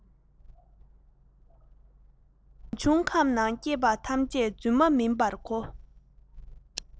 རང བྱུང ཁམས ནང སྐྱེས པ ཐམས ཅད རྫུན མ མིན པར གོ